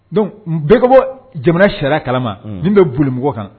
Donc bɛ bɔ jamana sariya kalama nin bɛ bolimɔgɔ kan